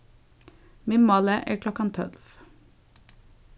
miðmáli er klokkan tólv